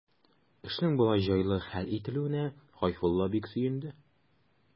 Эшнең болай җайлы хәл ителүенә Гайфулла бик сөенде.